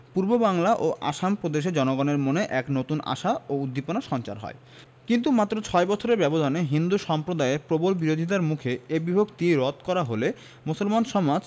পূর্ববাংলা ও আসাম প্রদেশের জনগণের মনে এক নতুন আশা ও উদ্দীপনার সঞ্চার হয় কিন্তু মাত্র ছয় বছরের ব্যবধানে হিন্দু সম্প্রদায়ের প্রবল বিরোধিতার মুখে এ বিভক্তি রদ করা হলে মুসলমান সমাজ